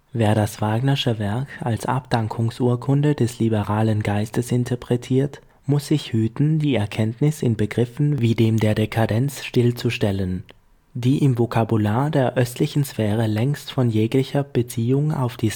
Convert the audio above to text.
Wer das Wagnersche Werk als Abdankungsurkunde des liberalen Geistes interpretiert, muß sich hüten, die Erkenntnis in Begriffen wie dem der Dekadenz stillzustellen, die im Vokabular der östlichen Sphäre längst von jeglicher Beziehung auf die